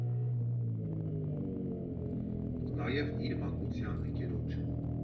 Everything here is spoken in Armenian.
Նաև իր մանկության ընկերոջ։